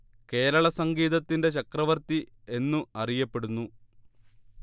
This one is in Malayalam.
കേരള സംഗീതത്തിന്റെ ചക്രവർത്തി എന്നു അറിയപ്പെടുന്നു